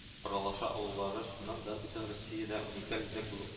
Аралашу алулары, чыннан да, бөтен россиядә уникаль үзәк булып